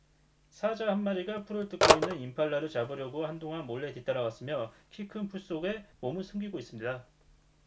사자 한 마리가 풀을 뜯고 있는 임팔라를 잡으려고 한동안 몰래 뒤따라왔으며 키 큰 풀 속에 몸을 숨기고 있습니다